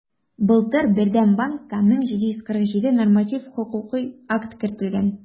Былтыр Бердәм банкка 1747 норматив хокукый акт кертелгән.